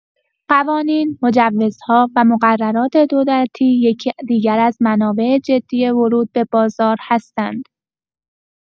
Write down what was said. قوانین، مجوزها و مقررات دولتی یکی دیگر از موانع جدی ورود به بازار هستند.